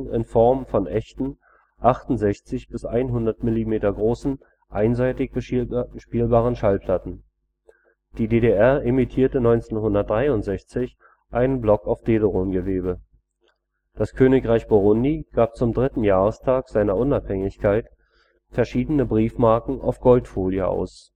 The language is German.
in Form von echten, 68 bis 100 mm großen, einseitig bespielbaren Schallplatten. Die DDR emittierte 1963 einen Block auf Dederongewebe. Das Königreich Burundi gab zum dritten Jahrestag seiner Unabhängigkeit verschiedene Briefmarken auf Goldfolie aus